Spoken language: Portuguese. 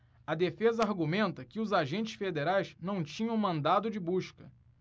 a defesa argumenta que os agentes federais não tinham mandado de busca